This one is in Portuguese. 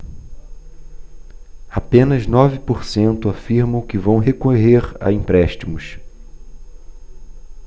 apenas nove por cento afirmam que vão recorrer a empréstimos